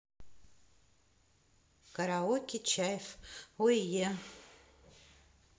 караоке чайф ой е